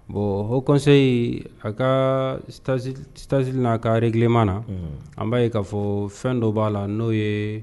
Bon haut conseil ka statut na ka reglement na an b'a ye k'a fɔ fɛn dɔ b'a la n'o ye